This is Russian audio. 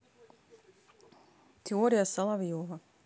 теория соловьева